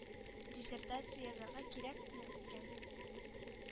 Диссертация язарга кирәкме икән?